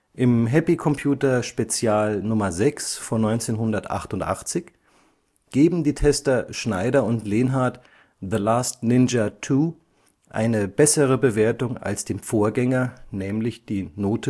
Im Happy-Computer Special 6 von 1988 geben die Tester Schneider und Lenhardt The Last Ninja II eine bessere Bewertung als dem Vorgänger („ Gut